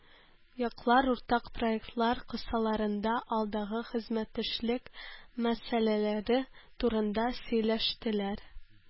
Яклар уртак проектлар кысаларында алдагы хезмәттәшлек мәсьәләләре турында сөйләштеләр.